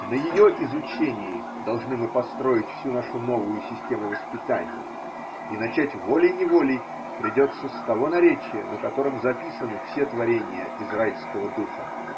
На ее изучении должны мы построить всю нашу новую систему воспитания, и начать волей-неволей придется с того наречия, на котором записаны все творения израильского духа.